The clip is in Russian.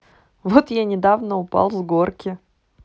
вот я недавно упал с горки